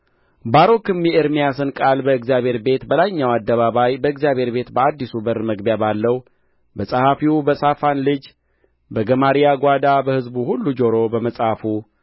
ባሮክም የኤርምያስን ቃል በእግዚአብሄር ቤት በላይኛው አደባባይ በእግዚአብሔር ቤት በአዲሱ በር መግቢያ ባለው በጸሐፊው በሳፋን ልጅ በገማርያ ጓዳ በሕዝቡ ሁሉ ጆሮ በመጽሐፉ